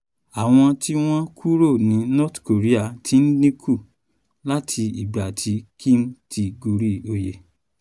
Àwọn tí wọ́n kúrò ní North Korea ti dínkù láti ìgbà tí Kim ti gorí oyè